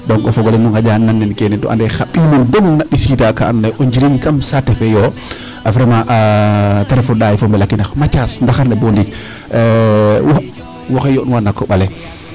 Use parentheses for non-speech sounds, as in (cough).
donc o fogole nu nganja nagan nan nene keene te ande xa ɓiy nuun dong na mbisiida kaa and naye o njiriñ kam saate feeyo vraiment a te ref o ɗaay fo o mbelexinax Mathiase ndaxar ne bo ndiik (hesitation) waxey yond nuwa na koɓale